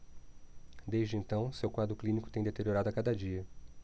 desde então seu quadro clínico tem deteriorado a cada dia